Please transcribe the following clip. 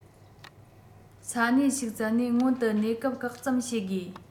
ས གནས ཞིག བཙལ ནས སྔོན དུ གནས སྐབས བཀག ཙམ བྱས དགོས